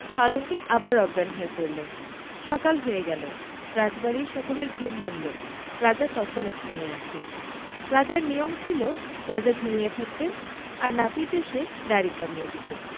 পালঙ্কে আবার অজ্ঞান হয়ে পড়লেন সকাল হয়ে গেল রাজবাড়ির সকলের ঘুম ভাঙল রাজা তখনও ঘুমিয়ে আছেন রাজার নিয়ম ছিল রাজা ঘুমিয়ে থাকতেন আর নাপিত এসে দাঁড়ি কমিয়ে দিত